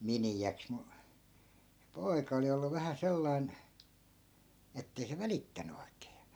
miniäksi mutta se poika oli ollut vähän sellainen että ei se välittänyt oikein ja